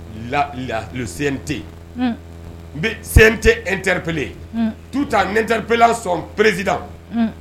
Le C N T n bɛ C N T interpellé tout en interpellant son président Unhun